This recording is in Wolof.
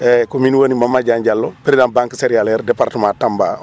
Momadou Dieng Diallo président banque céréalière département Tamba